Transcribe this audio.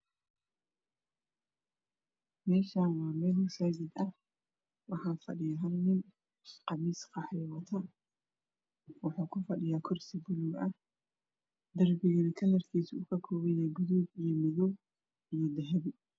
Mashan waa mel masajid ah wax fadhiyo nin dharka kalara kisi waa qahwi iyo jale